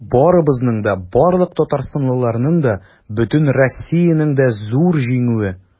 Бу барыбызның да, барлык татарстанлыларның да, бөтен Россиянең дә зур җиңүе.